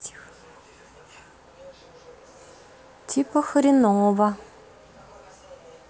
типа хреново